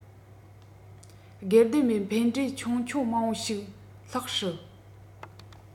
སྒེར སྡེམ བའི ཕན འབྲས ཆུང ཆུང མང པོ ཞིག ལྷག སྲིད